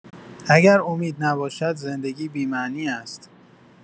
اگر امید نباشد، زندگی بی‌معنی است.